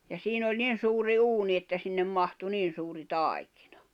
ja siinä oli niin suuri uuni että sinne mahtui niin suuri taikina